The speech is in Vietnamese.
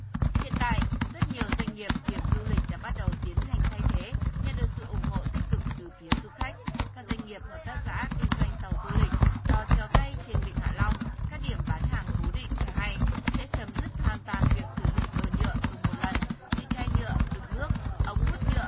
hiện tại rất nhiều doanh nghiệp điểm du lịch đã bắt đầu tiến hành thay thế nhận được sự ủng hộ tích cực từ phía du khách các doanh nghiệp hợp tác xã kinh doanh tàu du lịch đò chèo tay trên vịnh hạ long các điểm bán hàng cố định cho hay sẽ chấm dứt hoàn toàn việc sử dụng đồ nhựa dùng một lần như chai nhựa đựng nước ống hút nhựa